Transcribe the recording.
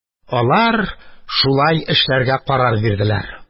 Алар шулай эшләргә карар бирделәр.